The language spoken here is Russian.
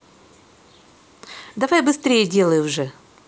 давай быстрее делай уже